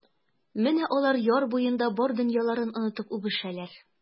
Менә алар яр буенда бар дөньяларын онытып үбешәләр.